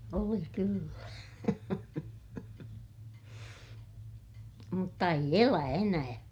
oli kyllä mutta ei elä enää